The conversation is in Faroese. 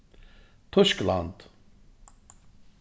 týskland